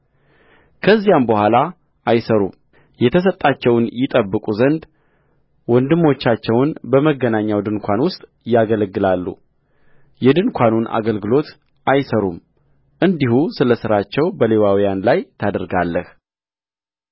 ከዚያም በኋላ አይሠሩምየተሰጣቸውን ይጠብቁ ዘንድ ወንድሞቻቸውን በመገናኛው ድንኳን ውስጥ ያገለግላሉ የድንኳኑን አገልግሎት አይሠሩም እንዲሁ ስለ ሥራቸው በሌዋውያን ላይ ታደርጋለህ